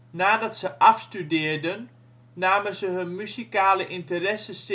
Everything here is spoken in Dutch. Nadat ze afstudeerden, namen ze hun muzikale interesses